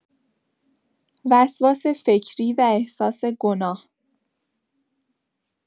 وسواس فکری و احساس گناه